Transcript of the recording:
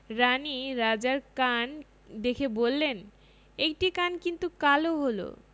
রানী রাজার কান দেখে বললেন একটি কান কিন্তু কালো হল'